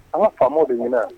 An ka faama de ɲin